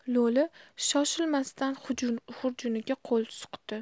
lo'li shoshilmasdan xurjuniga qo'l suqdi